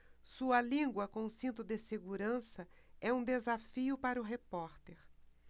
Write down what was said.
sua língua com cinto de segurança é um desafio para o repórter